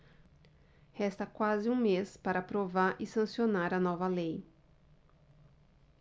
resta quase um mês para aprovar e sancionar a nova lei